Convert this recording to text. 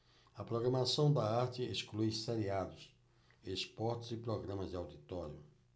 a programação da arte exclui seriados esportes e programas de auditório